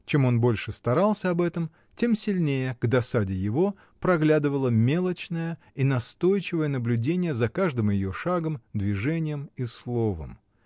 Чем он больше старался об этом, тем сильнее, к досаде его, проглядывало мелочное и настойчивое наблюдение за каждым ее шагом, движением и словом.